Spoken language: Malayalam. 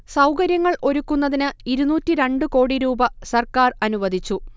സൗകര്യങ്ങൾ ഒരുക്കുന്നതിന് ഇരുന്നൂറ്റി രണ്ട് കോടി രൂപ സർക്കാർ അനുവദിച്ചു